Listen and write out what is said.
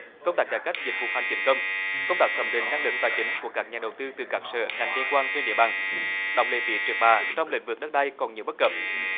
công tác cải cách dịch vụ hành chính công công tác thẩm định năng lực tài chính của các nhà đầu tư từ các sở ngành liên quan trên địa bàn đóng lệ phí trước bạ trong lĩnh vực đất đai còn nhiều bất cập